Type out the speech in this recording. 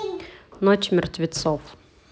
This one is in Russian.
ночь мертвецов